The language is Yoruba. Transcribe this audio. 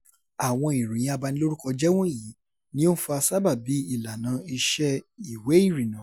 Àwọn ìròyìn abanilórúkọjẹ́ wọ̀nyí, ni ó ń fa sábàbí ìlànà-iṣẹ́ ìwé ìrìnnà: